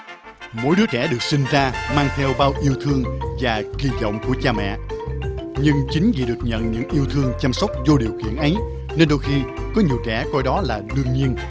mỗi đứa trẻ được sinh ra mang theo bao yêu thương và kỳ vọng của cha mẹ nhưng chính vì được nhận những yêu thương chăm sóc vô điều kiện ấy nên đôi khi có nhiều trẻ coi đó là đương nhiên